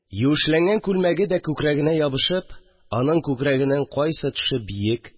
Юешләнгән күлмәге дә күкрәгенә ябышып, аның күкрәгенең кайсы төше биек